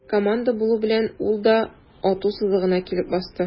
Команда булу белән, ул да ату сызыгына килеп басты.